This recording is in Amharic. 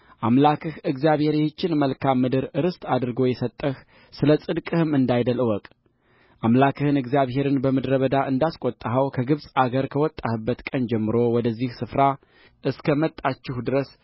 አምላክህ እግዚአብሔር ይህችን መልካም ምድር ርስት አድርጎ የሰጠህ ስለ ጽድቅህ እንዳይደለ እወቅአምላክህን እግዚአብሔርን በምድረ በዳ እንዳስቈጣኸው ከግብፅ አገር ከወጣህበት ቀን ጀምሮ ወደዚህ ስፍራ እስከ መጣችሁ ድረስ